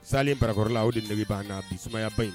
Salen barakɔrɔ la o de banna bisamaba in